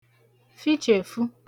fichèfu